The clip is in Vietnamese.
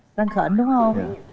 răng khểnh đúng hông